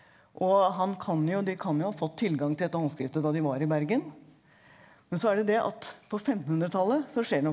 og han kan jo de kan jo ha fått tilgang til dette håndskriftet da de var i Bergen, men så er det det at på femtenhundretallet så skjer det noe.